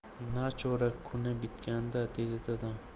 nachora kuni bitgan da dedi dadam